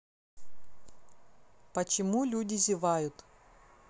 почему люди зевают